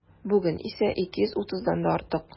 Бүген исә 230-дан да артык.